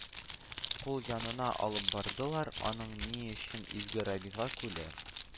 Күл янына алып бардылар, аның ни өчен изге рабига күле